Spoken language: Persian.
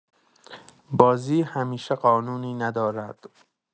بازی همیشه قانونی ندارد.